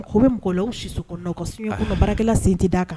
Ko bɛ mɔgɔlɔ sisu kɔnɔ ka ka baarakɛla sen d'a kan